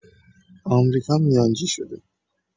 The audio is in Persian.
آمریکا میانجی شده